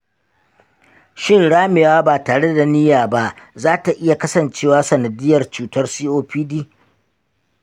shin ramewa ba tare da niyya ba za ta iya kasancewa sanadiyyar cutar copd?